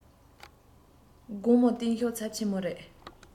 དགོང མོ བསྟན བཤུག ཚབས ཆེན མོ རེ